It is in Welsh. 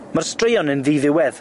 Ma'r straeon yn ddi-ddiwedd.